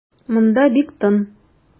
Монда бик тын.